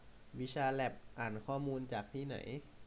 วิชาแล็บอ่านข้อมูลจากที่ไหน